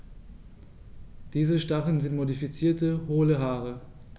Diese Stacheln sind modifizierte, hohle Haare.